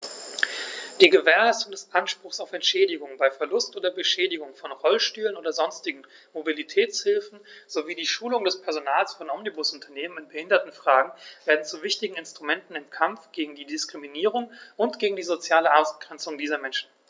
Die Gewährleistung des Anspruchs auf Entschädigung bei Verlust oder Beschädigung von Rollstühlen oder sonstigen Mobilitätshilfen sowie die Schulung des Personals von Omnibusunternehmen in Behindertenfragen werden zu wichtigen Instrumenten im Kampf gegen Diskriminierung und gegen die soziale Ausgrenzung dieser Menschen.